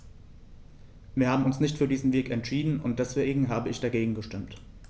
Wir haben uns nicht für diesen Weg entschieden, und deswegen habe ich dagegen gestimmt.